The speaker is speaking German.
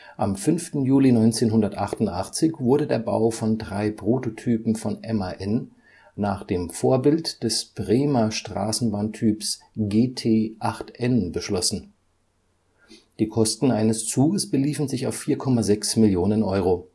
Am 5. Juli 1988 wurde der Bau von drei Prototypen von MAN nach dem Vorbild des Bremer Straßenbahntyps GT8N beschlossen. Die Kosten eines Zuges beliefen sich auf 4,6 Millionen Euro